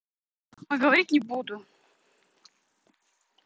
ой говорить не буду